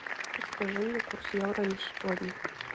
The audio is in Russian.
подскажи мне курс евро на сегодня